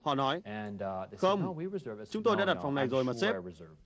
họ nói không chúng tôi đã đặt phòng này rồi mà sếp